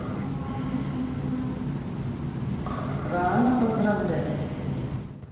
рано поздравлять